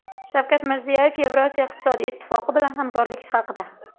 shavkat mirziyoyev yevrosiyo iqtisodiy ittifoqi bilan hamkorlik haqida